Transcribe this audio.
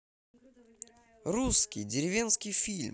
русский деревенский фильм